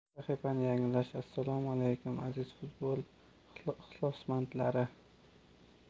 sahifani yangilash assalomu alaykum aziz futbol ixlosmandlari